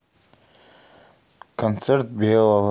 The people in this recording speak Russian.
концерт белого